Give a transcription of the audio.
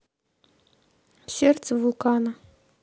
сердце вулкана